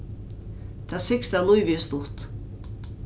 tað sigst at lívið er stutt